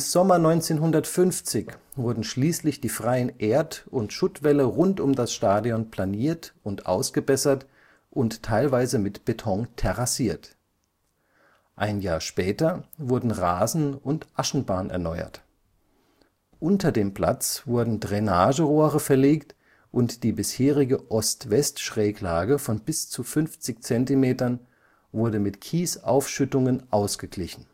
Sommer 1950 wurden schließlich die freien Erd - und Schuttwälle rund um das Stadion planiert und ausgebessert und teilweise mit Beton terrassiert. Ein Jahr später wurden Rasen und Aschenbahn erneuert. Unter dem Platz wurden Drainagerohre verlegt und die bisherige Ost-West-Schräglage von bis zu 50 Zentimetern wurde mit Kiesaufschüttungen ausgeglichen